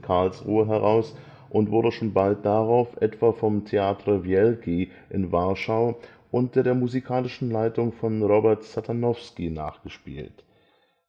Karlsruhe heraus und wurde schon bald darauf etwa vom Teatr Wielki in Warschau unter der musikalischen Leitung von Robert Satanowski nachgespielt;